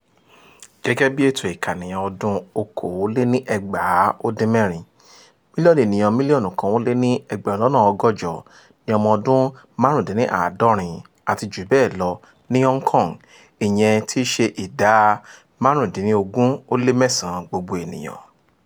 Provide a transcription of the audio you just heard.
Gẹ́gẹ́ bí ètò ìkànìyàn ọdún-un 2016, mílíọ̀nù èèyàn 1.16 million ni ọmọ ọdún 65 àti jù bẹ́ẹ̀ lọ ní Hong Kong— ìyẹn 15.9 ìdá gbogbo ènìyàn.